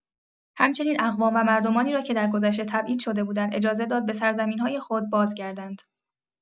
همچنین اقوام و مردمانی را که درگذشته تبعید شده بودند، اجازه داد به سرزمین‌های خود بازگردند.